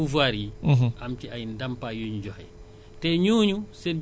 li dee ci xar yi ak nag yi bëri na trop